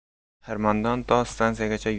xirmondan to stansiyagacha